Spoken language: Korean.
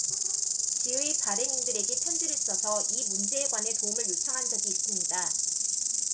지의 발행인들에게 편지를 써서 이 문제에 관해 도움을 요청한 적이 있습니다